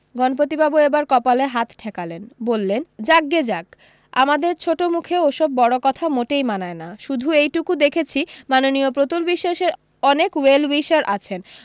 গণপতিবাবু এবার কপালে হাত ঠেকালেন বললেন যাকগে যাক আমাদের ছোটো মুখে ওসব বড় কথা মোটেই মানায় না শুধু এইটুকু দেখেছি মাননীয় প্রতুল বিশ্বাসের অনেক ওয়েল উইশার আছেন